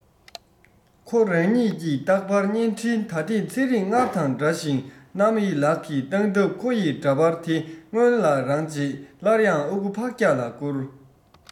ཁོ རང ཉིད ཀྱི རྟག པར བརྙན འཕྲིན ད ཐེངས ཚེ རིང སྔར དང འདྲ ཞིང གནམ སའི ལག གི སྟངས སྟབས ཁོ ཡི འདྲ པར དེ སྔོན ལ རང རྗེས སླར ཡང ཨ ཁུ ཕག སྐྱག ལ བསྐུར